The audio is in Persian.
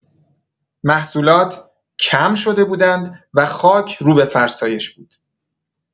محصولات کم شده بودند و خاک رو به فرسایش بود.